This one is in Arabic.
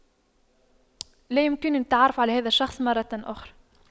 لا يمكنني التعرف على هذا الشخص مرة أخرى